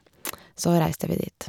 Så reiste vi dit.